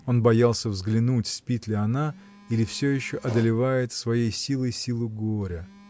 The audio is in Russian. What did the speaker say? Он боялся взглянуть, спит ли она или всё еще одолевает своей силой силу горя.